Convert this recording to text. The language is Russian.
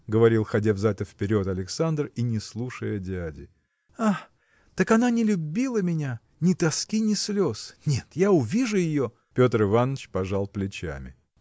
– говорил, ходя взад и вперед, Александр, и не слушая дяди. – А! так она не любила меня! ни тоски, ни слез. Нет, я увижу ее. Петр Иваныч пожал плечами.